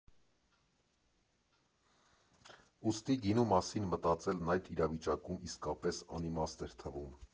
Ուստի գինու մասին մտածելն այդ իրավիճակում իսկապես անիմաստ էր թվում։